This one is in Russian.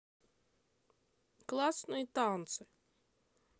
классные танцы